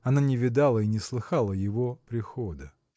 Она не видала и не слыхала его прихода.